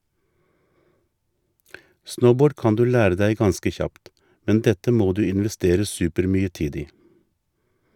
Snowboard kan du lære deg ganske kjapt, men dette må du investere supermye tid i.